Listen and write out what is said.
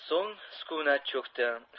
so'ng sukunat cho'kdi